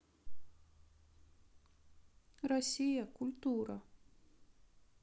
россия культура